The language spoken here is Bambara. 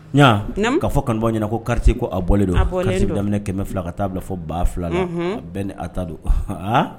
'a fɔ kanu ɲɛna ko kariti ko a bɔlen don kisi bɛ daminɛ kɛmɛ fila ka taaa bila fɔ ba fila bɛɛ ni a ta don